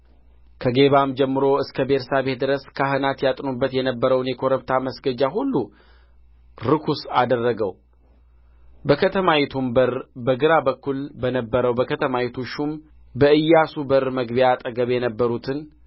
ከጌባም ጀምሮ እስከ ቤርሳቤህ ድረስ ካህናት ያጥኑበት የነበረውን የኮረብታ መስገጃ ሁሉ ርኩስ አደረገው በከተማይቱም በር በግራ በኩል በነበረው በከተማይቱ ሹም በኢያሱ በር መግቢያ አጠገብ የነበሩትን